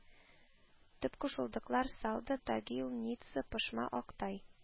Төп кушылдыклар: Салда, Тагил, Ница, Пышма, Актай